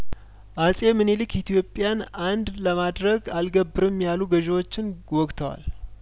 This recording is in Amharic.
አጼምኒልክ ኢትዮጵያን አንድ ለማድረግ አልገብርም ያሉ ገዥዎችን ወግተዋል